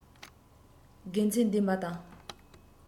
དགེ ཚན ལྟན པ དང